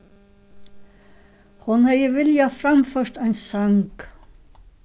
hon hevði viljað framført ein sang